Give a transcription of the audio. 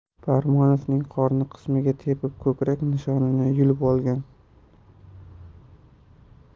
parmonovning qorin qismiga tepib ko'krak nishonini yulib olgan